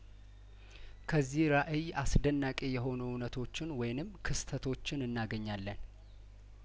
ከዚህ ራእይአስደናቂ የሆኑ እውነቶችን ወይም ክስተቶችን እናገኛለን